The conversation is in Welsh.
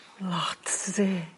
Lot tydi?